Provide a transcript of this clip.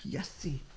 Iesu!